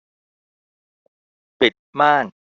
ปิดม่าน